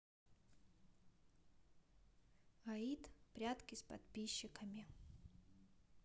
аид прятки с подписчиками